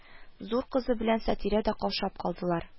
Зур кыз белән Сатирә дә каушап калдылар